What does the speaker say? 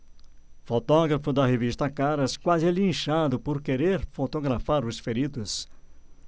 fotógrafo da revista caras quase é linchado por querer fotografar os feridos